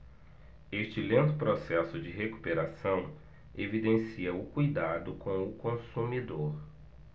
este lento processo de recuperação evidencia o cuidado com o consumidor